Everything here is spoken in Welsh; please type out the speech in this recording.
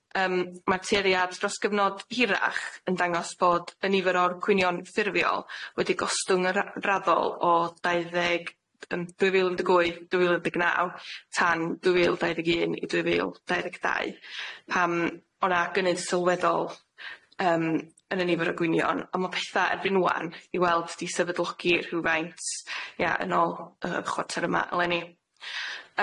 Yym ma'r tueddiad dros gyfnod hirach yn dangos bod y nifer o'r cwynion ffurfiol wedi gostwng yn ra- raddol o dau ddeg yym dwy fil un deg wyth dwy fil un deg naw, tan dwy fil dau ddeg un i dwy fil dau ddeg dau pan o' 'na gynnydd sylweddol yym yn y nifer o gwynion on' ma' petha erbyn ŵan i weld 'di sefydlogi rhwfaint ia yn ôl y chwarter yma eleni.